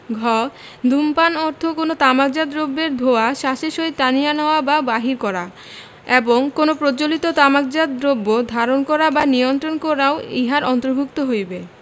ঘ ধূমপান অর্থ কোন তামাকজাত দ্রব্যের ধোঁয়া শ্বাসের সহিত টানিয়া নেওয়া বা বাহির করা এবং কোন প্রজ্বলিত তামাকজাত দ্রব্য ধারণ করা বা নিয়ন্ত্রণ করাও ইহার অন্তর্ভুক্ত হইবে